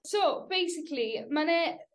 So basically ma' 'na